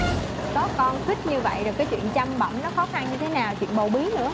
có con khít như vậy rồi cái chuyện chăm bẵm nó khó khăn như thế nào chuyện bầu bí nữa